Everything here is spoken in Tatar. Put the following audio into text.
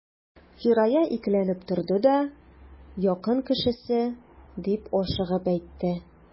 Фирая икеләнеп торды да: — Якын кешесе,— дип ашыгып әйтте.